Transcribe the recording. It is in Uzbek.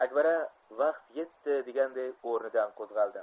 akbara vaqt yetdi deganday o'midan qo'zg'aldi